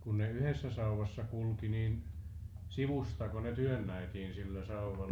kun ne yhdessä sauvassa kulki niin sivustako ne työnnettiin sillä sauvalla